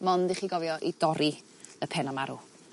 mond i chi gofio eu dorri penna marw.